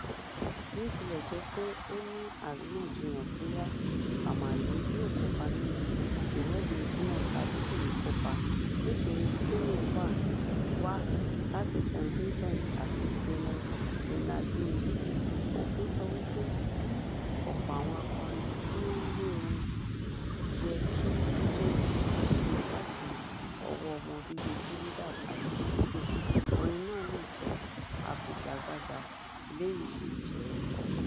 Bí ó ti lẹ̀ jé pé ó ní àríyànjiyàn bóyá "Famalay" yóò kópa nínú Ìwọ́de Ojúnà tàbí kò ní í kópa, nítorí Skinny wá láti St. Vincent àti Grenadines, òfin sọ wípé bí “ọ̀pọ̀ àwọn akọrin tí ó ń lé orin” yẹ kí "ó jẹ́ ṣíṣe láti ọwọ́ọ ọmọ bíbíi Trinidad àti Tobago", orin náà lè jẹ́ afigagbága – eléyìí sì jẹ́ ọ̀kan.